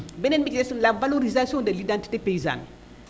beneen bi ci des la valorisation de l' identité paysane